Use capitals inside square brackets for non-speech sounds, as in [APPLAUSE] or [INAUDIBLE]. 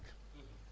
[HESITATION] [HESITATION]